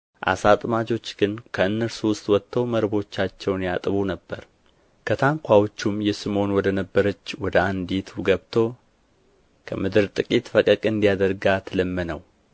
ዓሣ አጥማጆች ግን ከእነርሱ ውስጥ ወጥተው መረቦቻቸውን ያጥቡ ነበር ከታንኳዎቹም የስምዖን ወደ ነበረች ወደ አንዲቱ ገብቶ ከምድር ጥቂት ፈቀቅ እንዲያደርጋት ለመነው